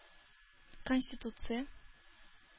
Конституция